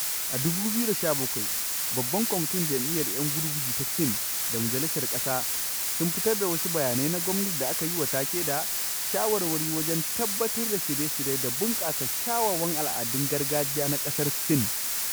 A 2017, babban kwamitin Jam'iyyar 'Yan Gurguzu ta Sin da majalisar ƙasa sun fitar da wasu bayanai na gwamnati da aka yi wa take da "shawarwari wajen tabbatar da shirye-shirye da bunƙasa kyawawan al'adun gargajiya na ƙasar Sin".